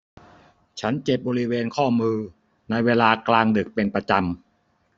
ฉันเจ็บบริเวณข้อมือในเวลากลางดึกเป็นประจำ